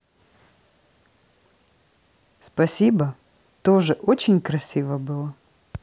спасибо тоже очень красиво было